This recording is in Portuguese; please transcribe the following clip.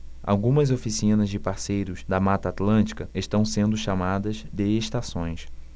algumas oficinas de parceiros da mata atlântica estão sendo chamadas de estações